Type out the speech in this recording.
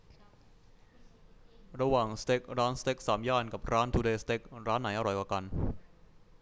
ระหว่างสเต็กร้านสเต็กสามย่านกับร้านทูเดย์สเต็กร้านไหนอร่อยกว่ากัน